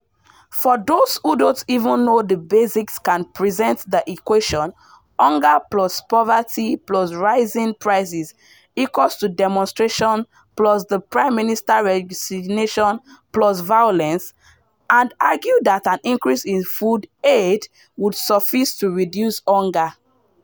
For those who don't even know the basics can present the equation: hunger + poverty + rising prices = demonstrations + the Prime Minister's resignation + violence, and argue that an increase in food aid would suffice to reduce hunger.